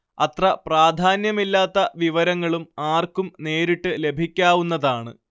അത്ര പ്രാധാന്യമില്ലാത്ത വിവരങ്ങളും ആർക്കും നേരിട്ട് ലഭിക്കാവുന്നതാണ്